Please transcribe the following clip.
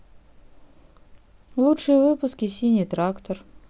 лучшие выпуски синий трактор